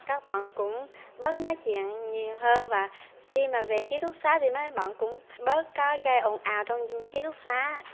các bạn cũng bớt nói chuyện nhiều hơn và khi mà về ký túc xá thì mấy bạn cũng bớt gây chuyện ồn ào trong ký túc xá